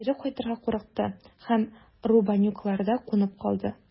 Кире кайтырга курыкты һәм Рубанюкларда кунып калды.